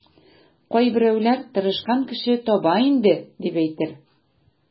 Кайберәүләр тырышкан кеше таба инде, дип әйтер.